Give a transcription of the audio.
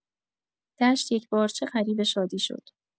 دشت یکپارچه غریو شادی شد.